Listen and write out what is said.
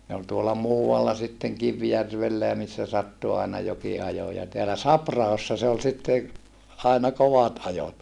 ne oli tuolla muualla sitten Kivijärvellä ja missä sattui aina jokin ajoi ja täällä Sapra-ahossa se oli sitten aina kovat ajot